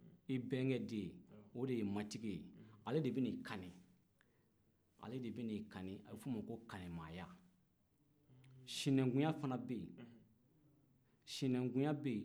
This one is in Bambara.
i bɛnkɛ den o de y'i matigi ye ale de bɛna i kani ale de bɛna e kani a bɛ f'o ma ko kanimɛya sinankunya fana bɛ yen sinankunya bɛ yen